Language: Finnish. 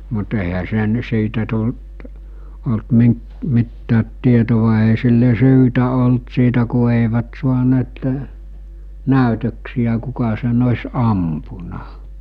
mutta eihän se siitä tullut ollut - mitään tietoa ei sille syytä ollut siitä kun eivät saaneet näytöksiä kuka sen olisi ampunut